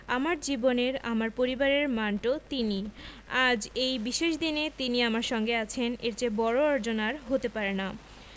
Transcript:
আমার জীবনের আমার পরিবারের মান্টো তিনি আজ এই বিশেষ দিনে তিনি আমার সঙ্গে আছেন এর চেয়ে বড় অর্জন আর হতে পারে না